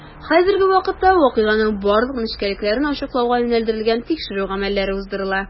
Хәзерге вакытта вакыйганың барлык нечкәлекләрен ачыклауга юнәлдерелгән тикшерү гамәлләре уздырыла.